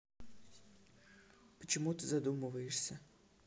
почему ты задумываешься